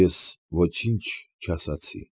Ես ոչինչ չասացի։